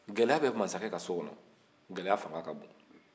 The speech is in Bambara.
gɛlɛya bɛ masakɛ ka so kɔnɔ gɛlɛya fanga ka bon